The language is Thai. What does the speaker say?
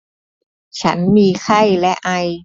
ฉันมีไข้และไอ